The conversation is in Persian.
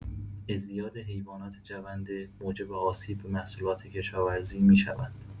ازدیاد حیوانات جونده موجب آسیب به محصولات کشاورزی می‌شوند.